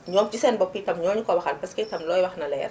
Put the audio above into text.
ñoom si seen bopp itam ñoo ñu ko waxal parce que itam looy wax na leer